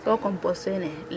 So compos fe ne .